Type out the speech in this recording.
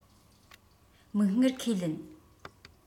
མིག སྔར ཁས ལེན